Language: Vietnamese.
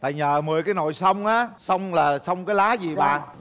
tại nhờ mười cái nồi xông á xông là xông cái lá gì bà